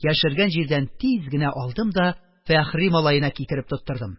Яшергән җирдән тиз генә алдым да фәхри малаена китереп тоттырдым.